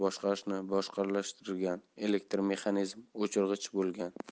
boshqarishni barqarorlashtirish elektr mexanizmi o'chirgichi bo'lgan